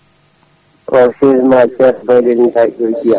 o ko sehilma Cheikh Gawlel *